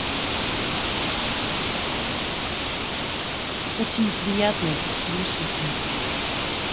очень приятно это слышать